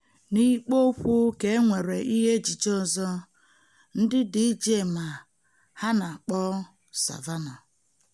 N'ikpo okwu ka e nwere ihe ejije ọzọ, ndị DJ ma ha na-akpọ "Savannah"